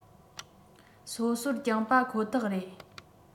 སོ སོར བསྐྱངས པ ཁོ ཐག རེད